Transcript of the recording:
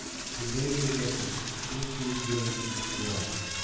Сүндереп йөрмәсем, тун киеп йөрер идең бугай